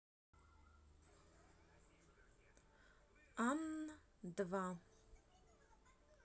ан два